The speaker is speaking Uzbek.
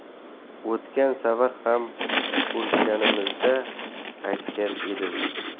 o'tgan safar ham ko'rishganimizda aytgan edim